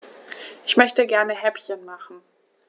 Ich möchte gerne Häppchen machen.